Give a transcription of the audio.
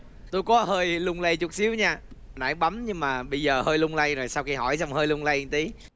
tôi có hơi lung lay chút xíu nha nãy bấm nhưng mà bây giờ hơi lung lay rồi sau khi hỏi xong hơi lung lay tí